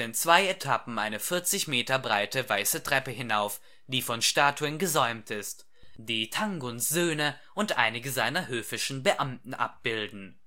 zwei Etappen eine 40 Meter breite weiße Treppe hinauf, die von Statuen gesäumt ist, die Tanguns Söhne und einige seiner höfischen Beamten abbilden